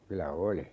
kyllä oli